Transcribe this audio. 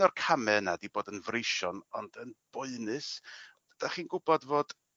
o'r came yna 'di bod yn freision ond yn boenus 'dach chi'n gwbod fod